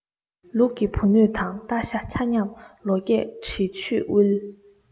ལུག གི བུ སྣོད དང རྟ ཤ ཆ མཉམ ལོ བརྒྱད དྲི ཆུས དབུལ